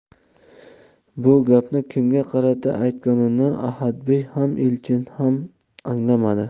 bu gapni kimga qarata aytganini ahadbey ham elchin ham anglamadi